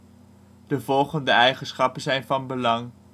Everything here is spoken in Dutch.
volgende eigenschappen zijn van belang